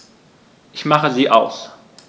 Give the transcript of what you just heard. Ich mache sie aus.